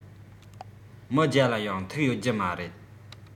མི བརྒྱ ལ ཡང ཐུག ཡོད རྒྱུ མ རེད